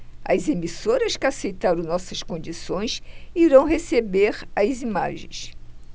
as emissoras que aceitaram nossas condições irão receber as imagens